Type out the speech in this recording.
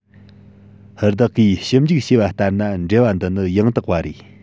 བདག གིས ཞིབ འཇུག བྱས པ ལྟར ན འབྲེལ བ འདི ནི ཡང དག པ རེད